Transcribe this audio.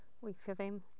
Weithiau ddim.